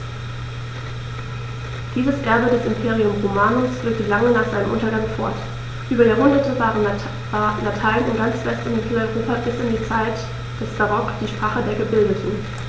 Dieses Erbe des Imperium Romanum wirkte lange nach seinem Untergang fort: Über Jahrhunderte war Latein in ganz West- und Mitteleuropa bis in die Zeit des Barock die Sprache der Gebildeten.